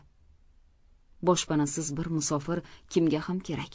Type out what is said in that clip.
boshpanasiz bir musofir kimga ham kerak